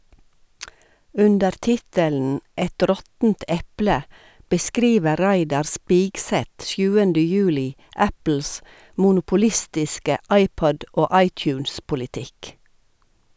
Under tittelen "Et råttent eple" beskriver Reidar Spigseth 7. juli Apples monopolistiske iPod- og iTunes-politikk.